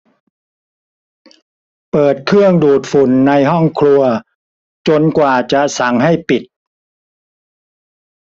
เปิดเครื่องดูดฝุ่นในห้องครัวจนกว่าจะสั่งให้ปิด